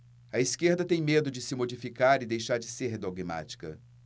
a esquerda tem medo de se modificar e deixar de ser dogmática